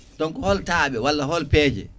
donc hol taaɓe walla peeje